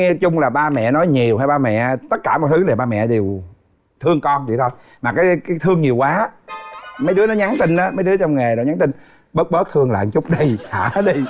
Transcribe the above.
nghe chung là ba mẹ nói nhiều hay ba mẹ tất cả mọi thứ đều ba mẹ đều thương con vậy thôi mà cái cái thương nhiều quá mấy đứa nó nhắn tin ớ mấy đứa trong nghề rồi nhắn tin bớt bớt thương lại chút đi thả đi